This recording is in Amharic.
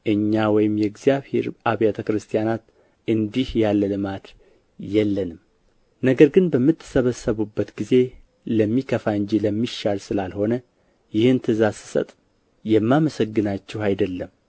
እኛ ወይም የእግዚአብሔር አብያተ ክርስቲያናት እንዲህ ያለ ልማድ የለንም ነገር ግን በምትሰበሰቡበት ጊዜ ለሚከፋ እንጂ ለሚሻል ስላልሆነ ይህን ትእዛዝ ስሰጥ የማመሰግናችሁ አይደለም